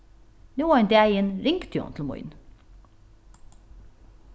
nú ein dagin ringdi hon til mín